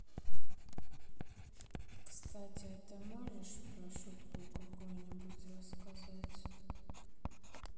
кстати а ты можешь про шутку какую нибудь рассказать